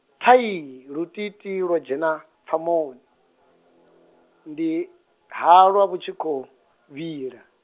thai lutiitii lwo dzhena, pfamoni, ndi, halwa vhu tshi khou, vhila.